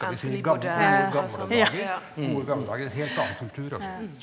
Anthony Bourdain, noe sånt ja ja ja.